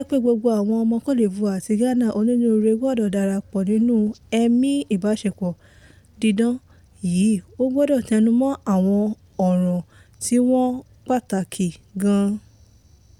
Bí ó ṣe jẹ́ pé gbogbo àwọn ọmọ Cote d'Ivoire àti Ghana onínúure gbọdọ̀ darapọ̀ nínú ẹ̀mí ìbáṣepọ̀ dídán yìí a gbọdọ̀ tẹnumọ́ àwọn ọ̀ràn tí wọ́n pàtàkì gan.